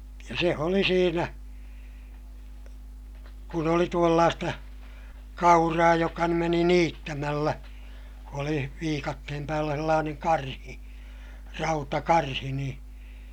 ja se oli siinä kun oli tuollaista kauraa joka nyt meni niittämällä oli viikatteen päällä sellainen karhi rautakarhi niin